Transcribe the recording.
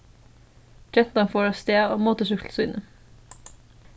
gentan fór av stað á motorsúkklu síni